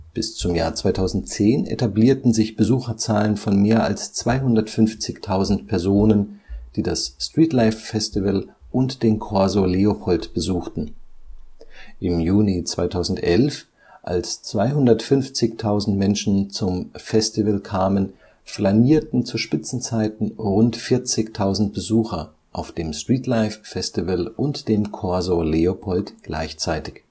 Bis zum Jahr 2010 etablierten sich Besucherzahlen von mehr als 250.000 Personen, die das Streetlife Festival und den Corso Leopold besuchten. Im Juni 2011, als 250.000 Menschen zum Festivals kamen, flanierten zu Spitzenzeiten rund 40.000 Besucher auf dem Streetlife Festival und dem Corso Leopold gleichzeitig